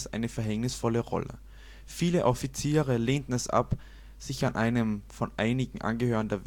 eine verhängnisvolle Rolle. Viele Offiziere lehnten es ab, sich an einem von einigen Angehörigen der Wehrmacht